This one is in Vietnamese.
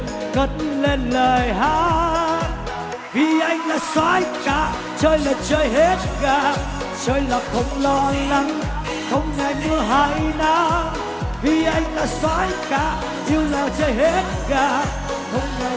cất lên lời hát vì anh là soái ca chơi là chơi hết ga chơi là không lo lắng không ngại mưa hay nắng vì anh là soái ca yêu là chơi hết ga